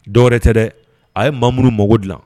Dɔwɛrɛ tɛ dɛ a ye mamuru mako dilan